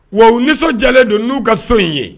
Wa nisɔn jɛlen don n'u ka so in ye